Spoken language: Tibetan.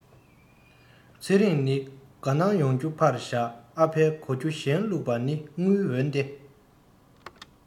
ཚེ རིང ནི དགའ སྣང ཡོང རྒྱུ ཕར བཞག ཨ ཕའི གོ རྒྱུ གཞན བླུག པ ནི དངུལ འོན ཏེ